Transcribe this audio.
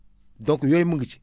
donc yooyu mu ngi ci